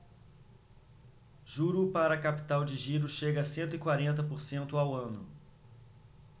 juro para capital de giro chega a cento e quarenta por cento ao ano